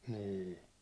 niin